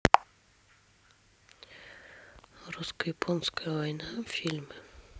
русско японская война фильмы